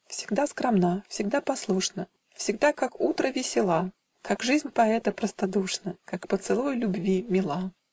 Всегда скромна, всегда послушна, Всегда как утро весела, Как жизнь поэта простодушна, Как поцелуй любви мила